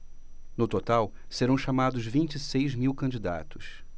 no total serão chamados vinte e seis mil candidatos